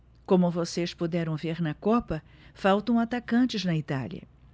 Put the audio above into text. como vocês puderam ver na copa faltam atacantes na itália